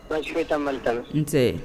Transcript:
Pa tan mali tan n